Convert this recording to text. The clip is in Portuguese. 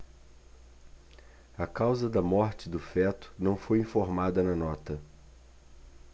a causa da morte do feto não foi informada na nota